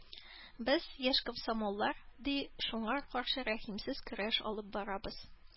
Без, яшь комсомоллар, ди, шуңар каршы рәхимсез көрәш алып барабыз.